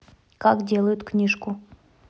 как делают книжку